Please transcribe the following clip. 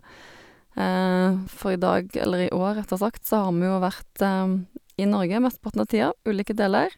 For i dag eller i år, rettere sagt, så har vi jo vært i Norge mesteparten av tida, ulike deler.